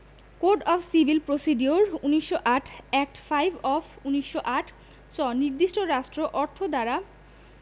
code of civil procedure ১৯০৮ act five of ১৯০৮ চ নির্দিষ্ট রাষ্ট্র অর্থ ধারা